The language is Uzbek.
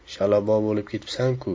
shalabbo bo'lib ketibsan ku